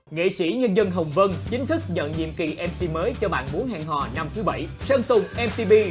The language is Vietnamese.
nghệ sĩ nhân dân hồng vân chính thức nhận nhiệm kỳ em xi mới cho bạn muốn hẹn hò năm thứ bảy sơn tùng em ti pi